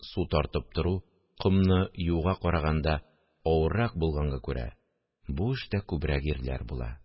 Су тартып тору комны юуга караганда авыррак булганга күрә, бу эштә күбрәк ирләр була